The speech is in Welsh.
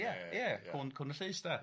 Ia ia, cŵn cŵn y llys 'de.